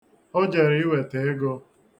O jere iweta ego.